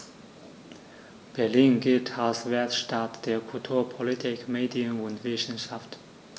Berlin gilt als Weltstadt der Kultur, Politik, Medien und Wissenschaften.